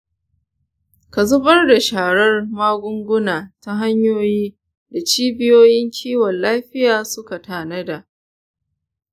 ka zubar da sharar magunguna ta hanyoyin da cibiyoyin kiwon lafiya suka tanada.